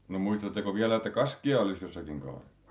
no muistatteko vielä että kaskia olisi jossakin kaadettu